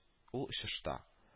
Ул очышта